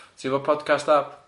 Ti 'fo podcast app?